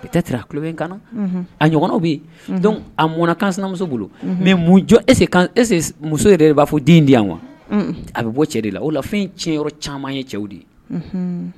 peut être a tulo bɛ n kan na .A ɲɔgɔnw bɛ Yen, donc a mɔnna kan sinamuso bolo mais mutio, est ce que muso yɛrɛ de b'a fɔ den di yan wa? Unhun, a bɛ bɔ cɛ de la, o la fɛn tiɲɛyɔrɔ caman ye cɛw de ye.